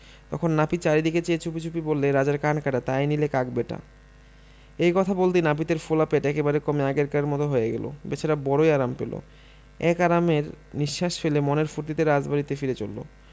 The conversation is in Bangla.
তখন নাপিত চারিদিকে চেয়ে চুপিচুপি বললে রাজার কান কাটা তাই নিলে কাক ব্যাটা এই কথা বলতেই নাপিতের ফোলা পেট একেবারে কমে আগেকার মতো হয়ে গেল বেচারা বড়োই আরাম পেল এক আরামের নিঃশ্বাস ফেলে মনের ফুর্তিতে রাজবাড়িতে ফিরে চলল